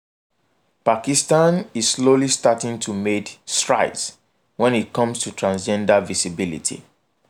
Pakistan is slowly starting to make strides when it comes to transgender visibility.